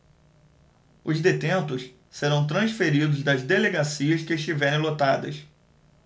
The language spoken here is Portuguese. os detentos serão transferidos das delegacias que estiverem lotadas